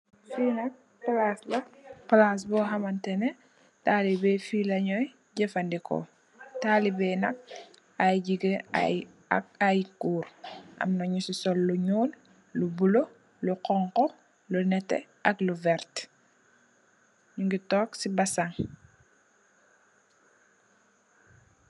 Fi nak palac la palac bu xamatane talibe fi la nyui jefendeko talibe nak ay jigeen ak ay goor amna nyu si sol lu nuul lu bulo lu xonxu lu neteh ak lu vertah nyugi tog si basan.